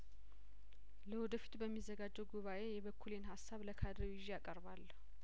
ለወደፊቱ በሚዘጋጀው ጉባኤ የበኩሌን ሀሳብ ለካድሬው ይዤ አቀርባለሁ